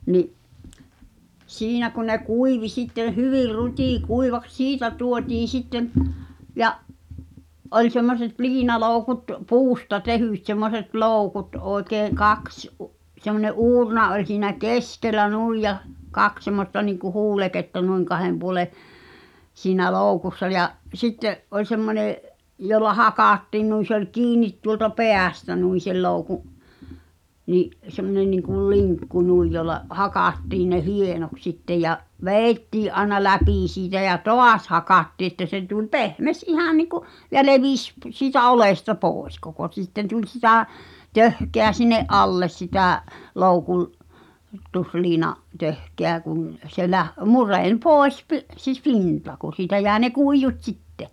niin siinä kun ne kuivui sitten hyvin rutikuivaksi siitä tuotiin sitten ja oli semmoiset liinaloukut puusta tehdyt semmoiset loukut oikein kaksi - semmoinen uurna oli siinä keskellä niin ja kaksi semmoista niin kuin huuleketta niin kahden puolen siinä loukussa ja sitten oli semmoinen jolla hakattiin noin se oli kiinni tuolta päästä noin sen loukun niin semmoinen niin kuin linkku noin jolla hakattiin ne hienoksi sitten ja vedettiin aina läpi siitä ja taas hakattiin että se tuli pehmeä ihan niin kuin ja levisi - siitä oljesta pois koko sitten tuli sitä töhkää sinne alle sitä - loukutusliinan töhkää kun se - mureni pois - se pinta kun siitä jäi ne kuidut sitten